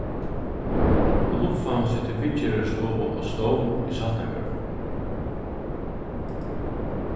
oluffa setti viðgerðarstovu á stovn í saltangará